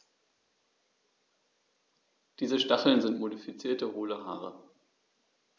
Diese Stacheln sind modifizierte, hohle Haare.